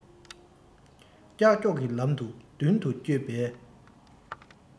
ཀྱག ཀྱོག གི ལམ དུ མདུན དུ བསྐྱོད པའི